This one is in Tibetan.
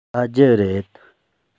ཟ རྒྱུ རེད